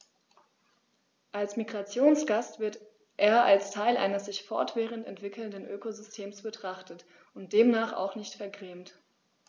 Als Migrationsgast wird er als Teil eines sich fortwährend entwickelnden Ökosystems betrachtet und demnach auch nicht vergrämt.